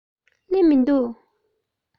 སླེབས མི འདུག